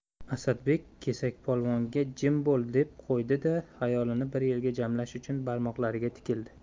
asadbek kesakpolvonga jim bo'l deb qo'ydi da xayolini bir yerga jamlash uchun barmoqlariga tikildi